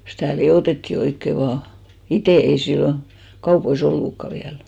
sitä liotettiin oikein vain itse ei silloin kaupoissa ollutkaan vielä